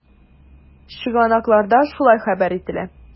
Чыганакларда шулай хәбәр ителә.